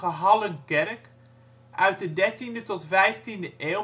hallenkerk uit de dertiende tot vijftiende eeuw